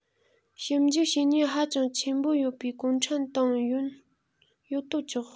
ཞིབ འཇུག བྱེད ནུས ཧ ཅང ཆེན པོ ཡོད པའི གུང ཁྲན ཏང ཡོན ཡོད དོ ཅོག